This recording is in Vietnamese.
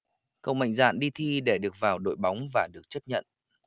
cậu mạnh dạn đi thi để được vào đội bóng và được chấp nhận